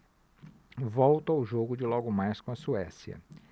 volto ao jogo de logo mais com a suécia